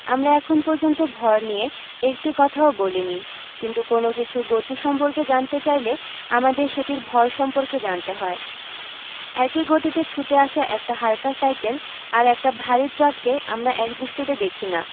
আমরা এখন পর্যন্ত ভর নিয়ে একটি কথাও বলিনি কিন্তু কোনো কিছুর গতি সম্পর্কে জানতে চাইলে আমাদের সেটির ভর সম্পর্কে জানতে হয় একই গতিতে ছুটে আসা একটা হালকা সাইকেল আর একটা ভারী ট্রাককে আমরা একদৃষ্টিতে দেখি না